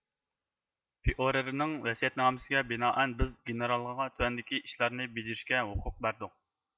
فىئۇرېرنىڭ ۋەسىيەتنامىسىگە بىنائەن بىز گېنېرالغا تۆۋەندىكى ئىشلارنى بېجىرىشكە ھوقۇق بەردۇق